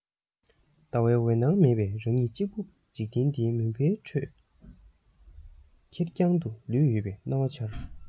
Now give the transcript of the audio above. ཟླ བའི འོད སྣང མེད པས རང ཉིད གཅིག པུ འཇིག རྟེན འདིའི མུན པའི ཁྲོད ཁེར རྐྱང དུ ལུས ཡོད པའི སྣང བ འཆར